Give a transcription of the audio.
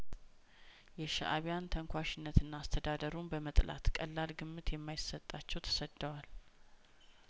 የሻእቢያን ተንኳሽነትና አስተዳደሩን በመጥላት ቀላል ግምት የማይሰጣቸው ተሰድደዋል